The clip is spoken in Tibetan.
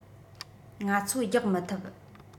ང ཚོ རྒྱག མི ཐུབ